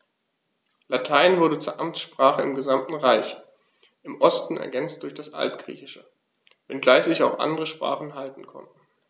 Latein wurde zur Amtssprache im gesamten Reich (im Osten ergänzt durch das Altgriechische), wenngleich sich auch andere Sprachen halten konnten.